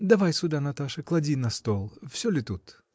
Давай сюда, Наташа, клади на стол: всё ли тут?